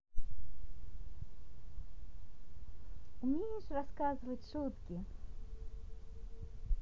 умеешь рассказывать шутки